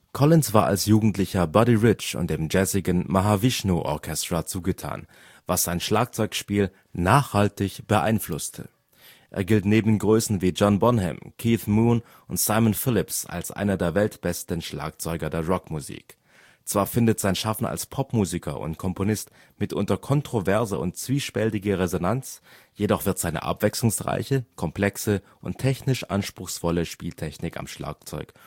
Collins war als Jugendlicher Buddy Rich und dem jazzigen Mahavishnu Orchestra zugetan, was sein Schlagzeugspiel nachhaltig beeinflusste. Er gilt neben Größen wie John Bonham, Keith Moon und Simon Phillips als einer der weltbesten Schlagzeuger der Rockmusik. Zwar findet sein Schaffen als Popsänger und Komponist mitunter kontroverse und zwiespältige Resonanz, jedoch wird seine abwechslungsreiche, komplexe und technisch anspruchsvolle Spieltechnik am Schlagzeug